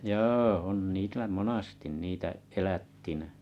joo on niillä monasti niitä elättinä